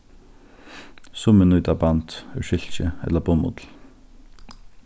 summi nýta band úr silki ella bummull